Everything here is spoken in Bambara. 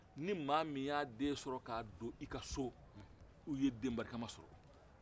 n'i maa min y'a den sɔrɔ k'a don i ka so i ye den barikama sɔrɔ